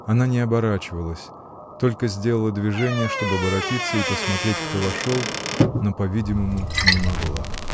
Она не оборачивалась, только сделала движение, чтоб оборотиться и посмотреть, кто вошел, но, по-видимому, не могла.